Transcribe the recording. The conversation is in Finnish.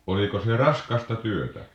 oliko se raskasta työtä